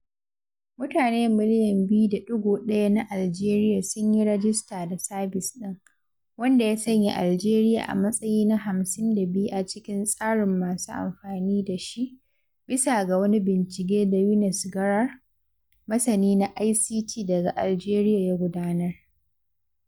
Mutane miliyan 2.1 na Algeria sun yi rajista da sabis ɗin, wanda ya sanya Algeria a matsayi na 52 a cikin tsarin masu amfani da shi, bisa ga wani bincike da Younes Grar, masani na ICT daga Algeria ya gudanar.